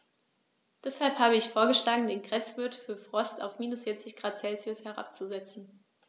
Deshalb habe ich vorgeschlagen, den Grenzwert für Frost auf -40 ºC herabzusetzen.